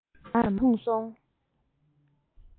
ཐད ཀར མར ལྷུང བྱུང